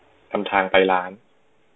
นำทางไปร้าน